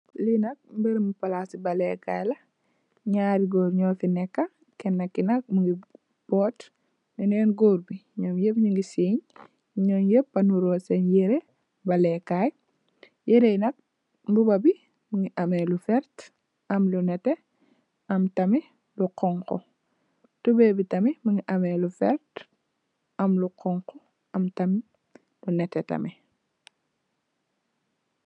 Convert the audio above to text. Li nak barabi palasi bal le kay la ñaari gór ñu fi nekka, Kenna ki mugii bot benen gór, ñap ñu ngi siiñ, ñom ño niro sééni yirèh bal le kay. Yirèh yi nak mbuba mugii am lu werta, am lu netteh am tamit lu xonxu, tubay bi tamit mugii am lu werta am lu Xonxu am tamit lu am lu netteh tamit.